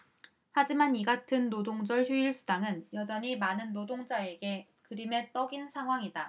하지만 이같은 노동절 휴일수당은 여전히 많은 노동자에게 그림의 떡인 상황이다